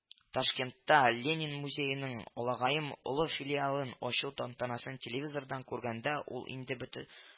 Ташкентта Ленин музееның алагаем олы филиалын ачу тантанасын телевизордан күргәндә ул инде бөте